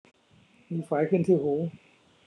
มีไฝขึ้นที่หู